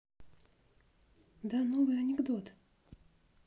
да новый анекдот